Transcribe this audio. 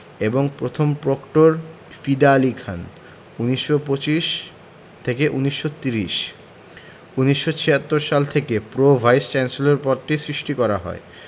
এবং প্রথম প্রক্টর ফিদা আলী খান ১৯২৫ ১৯৩০ ১৯৭৬ সাল থেকে প্রো ভাইস চ্যান্সেলর পদ সৃষ্টি করা হয়